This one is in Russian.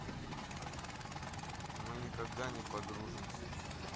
мы никогда не подружимся